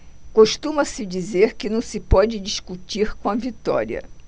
costuma-se dizer que não se pode discutir com a vitória